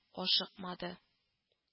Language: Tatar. Ашыкмады